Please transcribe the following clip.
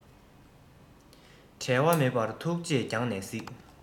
འབྲལ བ མེད པར ཐུགས རྗེས རྒྱང ནས གཟིགས